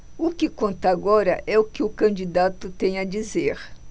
o que conta agora é o que o candidato tem a dizer